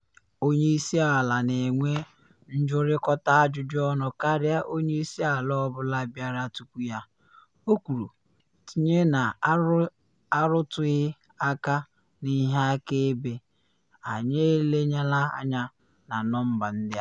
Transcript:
“Onye isi ala na enwe oge njụrịkọta ajụjụ ọnụ karịa onye isi ala ọ bụla bịara tupu ya,” o kwuru, tinye na arụtụghị aka n’ihe akaebe: “Anyị elenyela anya na nọmba ndị a.”